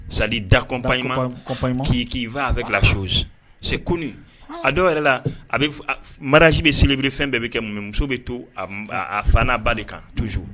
Zanali dakpɲ k'i a bɛ so se kunun a dɔw yɛrɛ la a bɛ marasi bɛ selibri fɛn bɛɛ bɛ kɛ mɛ muso bɛ to a fan bali kan tozo